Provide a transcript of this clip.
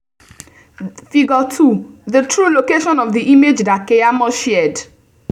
Figure 2: The true location of the image that Keyamo shared.